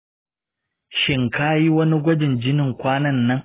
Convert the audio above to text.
shin ka yi wani gwajin jini kwanan nan?